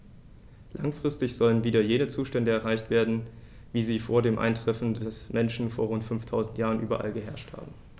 Langfristig sollen wieder jene Zustände erreicht werden, wie sie vor dem Eintreffen des Menschen vor rund 5000 Jahren überall geherrscht haben.